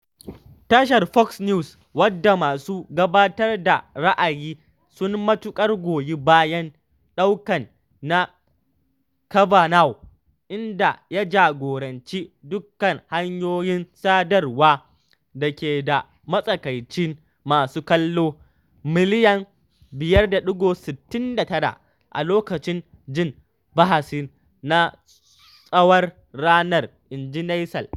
Tashar Fox News, wadda masu gabatar da ra’ayi sun matukar goyi bayan ɗaukan na Kavanaugh, inda ya jagoranci dukkan hanyoyin sadarwa da ke da matsakaicin masu kallo miliyan 5.69 a lokacin jin bahasin na tsawon ranar, inji Nielsen.